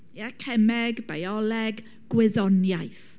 Ie cemeg, bioleg, gwyddoniaeth.